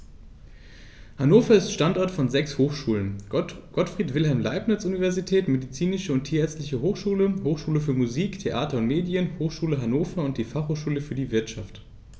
Hannover ist Standort von sechs Hochschulen: Gottfried Wilhelm Leibniz Universität, Medizinische und Tierärztliche Hochschule, Hochschule für Musik, Theater und Medien, Hochschule Hannover und die Fachhochschule für die Wirtschaft.